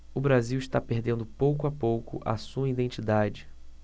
o brasil está perdendo pouco a pouco a sua identidade